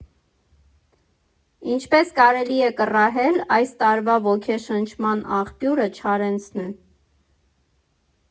Ինչպես կարելի է կռահել, այս տարվա ոգեշնչման աղբյուրը Չարենցն է։